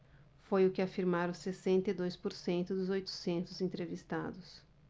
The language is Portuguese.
foi o que afirmaram sessenta e dois por cento dos oitocentos entrevistados